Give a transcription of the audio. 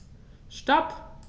Stop.